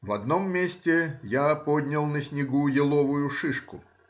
В одном месте я поднял на снегу еловую шишку.